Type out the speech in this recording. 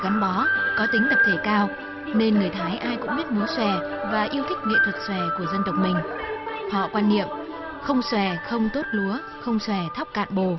gắn bó có tính tập thể cao nên người thái ai cũng biết múa xòe và yêu thích nghệ thuật xòe của dân tộc mình họ quan niệm không xòe không tốt lúa không xòe thóc cạn bồ